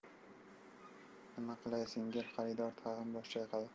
nima qilay singil xaridor tag'in bosh chayqadi